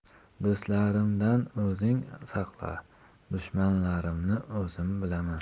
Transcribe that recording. do'stlarimdan o'zing saqla dushmanlarimni o'zim bilaman